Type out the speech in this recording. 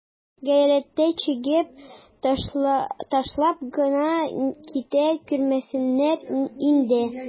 Гайрәте чигеп, ташлап кына китә күрмәсеннәр инде.